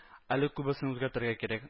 Әле күбесен үзгәртергә кирәк